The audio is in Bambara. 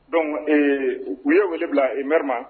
Dɔnku u ye wele bila i m ma